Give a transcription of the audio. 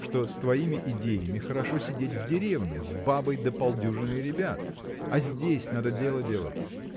что с твоими идеями хорошо сидеть в деревне с бабой да полдюжиной ребят а здесь надо дело делать